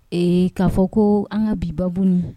Ee k'a fɔ koo an ŋa bi babu nun